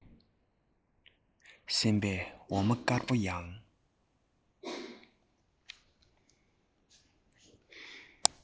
སེམས པས འོ མ དཀར པོ ཡང